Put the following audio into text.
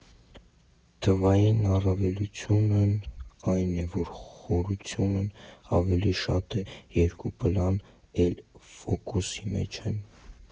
Թվայինի առավելությունն այն է, որ խորությունն ավելի շատ է, երկու պլանն էլ ֆոկուսի մեջ են.